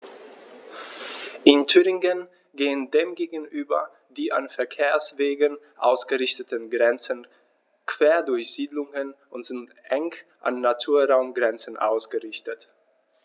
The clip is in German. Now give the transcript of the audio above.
In Thüringen gehen dem gegenüber die an Verkehrswegen ausgerichteten Grenzen quer durch Siedlungen und sind eng an Naturraumgrenzen ausgerichtet.